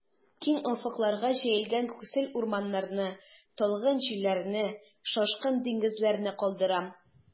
Киң офыкларга җәелгән күксел урманнарны, талгын җилләрне, шашкын диңгезләрне калдырам.